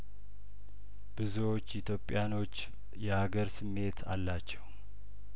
ብዙዎቹ ኢትዮጵያኖች የአገር ስሜት አላቸው